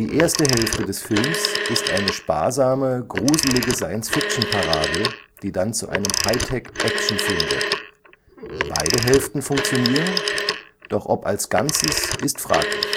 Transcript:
erste Hälfte des Films ist eine sparsame, gruselige Science-Fiction-Parabel, die dann zu einem High-Tech-Actionfilm wird. Beide Hälften funktionieren, doch ob als Ganzes ist fraglich